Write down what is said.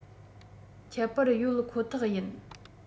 ཁྱད པར ཡོད ཁོ ཐག ཡིན